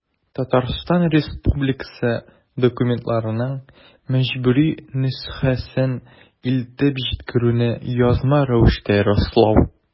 Татарстан Республикасы документларының мәҗбүри нөсхәсен илтеп җиткерүне язма рәвештә раслау.